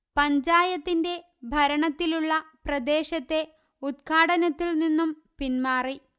പഞ്ചായത്തിന്റെ ഭരണത്തിലുള്ള പ്രദേശത്തെ ഉദ്ഘാടനത്തിൽ നിന്നും പിന്മാറി